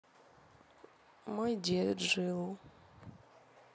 мой дед жил